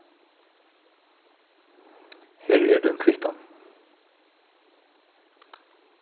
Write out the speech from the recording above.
her er tín kvittan